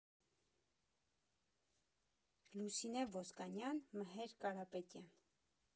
Լուսինե Ոսկանյան Մհեր Կարապետյան։